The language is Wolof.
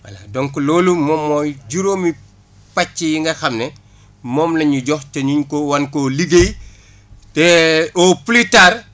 voilà donc loolu moom mooy juróomi pàcc yinga xam ne moom la ñu jox te ñu ngi ko war koo liggéey te au plus tard